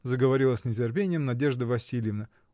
— заговорила с нетерпением Надежда Васильевна.